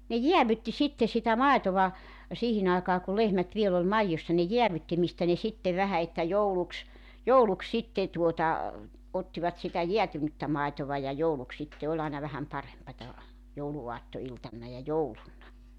ne jäädytti sitten sitä maitoa siihen aikaan kun lehmät vielä oli maidossa ne jäädytti mistä ne sitten vähän että jouluksi jouluksi sitten tuota ottivat sitä jäätynyttä maitoa ja jouluksi sitten oli aina vähän parempaa jouluaattoiltana ja jouluna